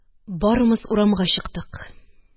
Барымыз урамга чыктык